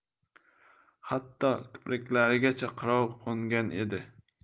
hatto kipriklarigacha qirov qo'ngan edi